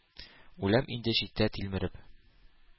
Үләм инде читтә тилмереп.